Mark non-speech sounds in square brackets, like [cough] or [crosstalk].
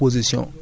[hesitation] [hesitation]